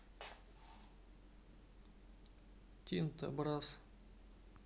тинто брасс